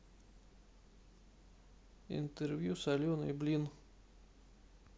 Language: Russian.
интервью с аленой блин